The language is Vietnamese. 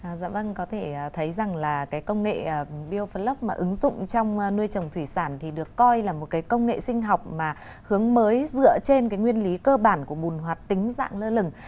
à dạ vâng có thể thấy rằng là cái công nghệ ở vùng bi ô phờ lốc mà ứng dụng trong nuôi trồng thủy sản thì được coi là một cái công nghệ sinh học mà hướng mới dựa trên nguyên lý cơ bản của bùn hoạt tính dạng lơ lửng